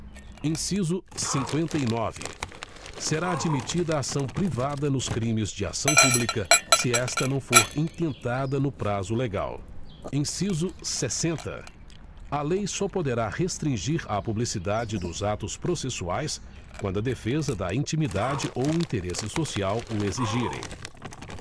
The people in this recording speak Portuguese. inciso cinqüenta e nove será admitida ação privada nos crimes de ação pública se esta não for intentada no prazo legal inciso sessenta a lei só poderá restringir a publicidade dos atos processuais quando a defesa da intimidade ou o interesse social o exigirem